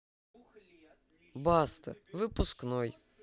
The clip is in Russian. баста выпускной